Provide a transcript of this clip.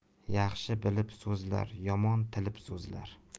yaxshi bilib so'zlar yomon tilib so'zlar